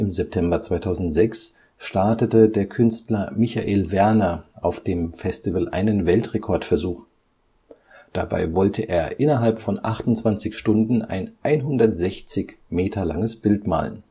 September 2006 startete der Künstler Michael Werner auf dem Festival einen Weltrekordversuch. Dabei wollte er innerhalb von 28 Stunden ein 160 Meter langes Bild malen